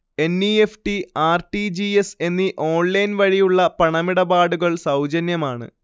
N. E. F. T, R. T. G. S എന്നീ ഓൺലൈൻവഴിയുള്ള പണമിടപാടുകൾ സൗജന്യമാണ്